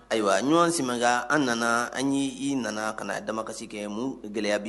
Ayiwa ɲɔgɔn sika an nana an y i nana ka na a dama kasi kɛ mu gɛlɛya bi